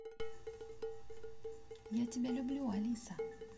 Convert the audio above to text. я тебя люблю алиса